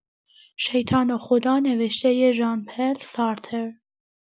شیطان و خدا نوشته ژان‌پل سارتر